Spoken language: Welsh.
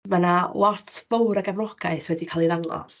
Mae 'na lot fawr o gefnogaeth wedi cael ei ddangos.